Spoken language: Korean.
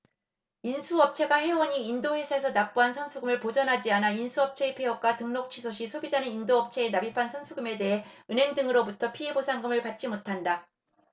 인수업체가 회원이 인도회사에 납부한 선수금을 보전하지 않아 인수업체의 폐업과 등록취소 시 소비자는 인도업체에 납입한 선수금에 대해 은행 등으로부터 피해보상금을 받지 못한다